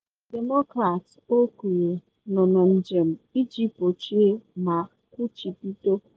Demokrats, o kwuru, nọ na njem iji “gbochie ma kwụchibido.”